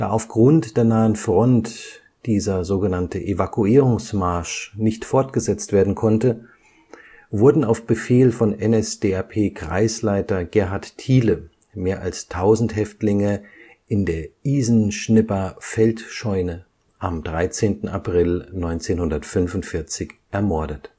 aufgrund der nahen Front der „ Evakuierungsmarsch “nicht fortgesetzt werden konnte, wurden auf Befehl von NSDAP-Kreisleiter Gerhard Thiele mehr als tausend Häftlinge in der Isenschnibber Feldscheune am 13. April 1945 ermordet